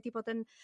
'di bod yn